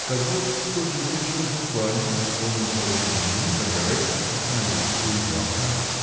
Козлов в тот же вечер буквально исполнил поручение жены, когда Райский остановился у его окна.